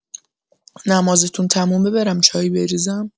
نمازتون تمومه برم چایی بریزم؟